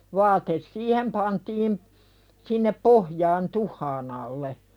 vaate siihen pantiin sinne pohjaan tuhkan alle